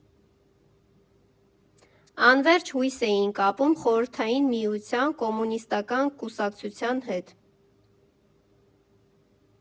Անվերջ հույս էին կապում Խորհրդային Միության, Կոմունիստական կուսակցության հետ։